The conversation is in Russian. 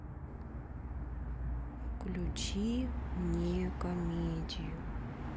включи мне комедию